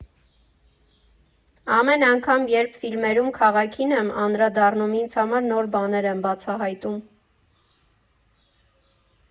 Ամեն անգամ, երբ ֆիլմերում քաղաքին եմ անդրադառնում, ինձ համար նոր բաներ եմ բացահայտում։